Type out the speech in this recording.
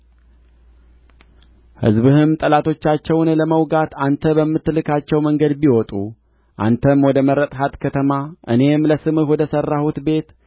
ሕዝብህም ጠላቶቻቸውን ለመውጋት አንተ በምትልካቸው መንገድ ቢወጡ አንተም ወደ መረጥሃት ከተማ እኔም ለስምህ ወደ ሠራሁት ቤት